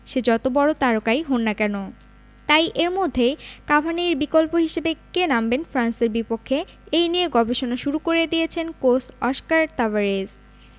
সে যত বড় তারকাই হোন না কেন তাই এর মধ্যেই কাভানির বিকল্প হিসেবে কে নামবেন ফ্রান্সের বিপক্ষে এই নিয়ে গবেষণা শুরু করে দিয়েছেন কোচ অস্কার তাবারেজ